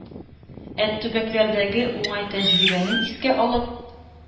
Ә төбәкләрдәге уңай тәҗрибәне исәпкә алып,